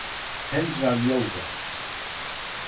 tendra ljóðið